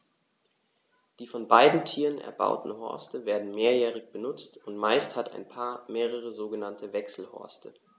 Die von beiden Tieren erbauten Horste werden mehrjährig benutzt, und meist hat ein Paar mehrere sogenannte Wechselhorste.